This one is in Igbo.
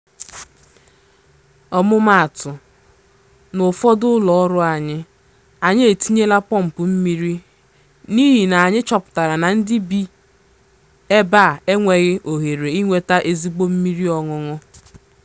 Ọmụmaatụ, n’ụfọdụ ụlọọrụ anyị, anyị etinyela pọmpụ mmiri n’ịhị na anyị chọpụtara na ndị bi ebe a enweghị ohere inweta ezigbo mmiri ọṅụṅụ.